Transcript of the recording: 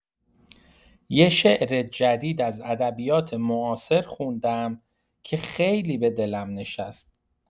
یه شعر جدید از ادبیات معاصر خوندم که خیلی به دلم نشست.